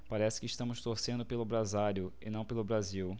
parece que estamos torcendo pelo brasário e não pelo brasil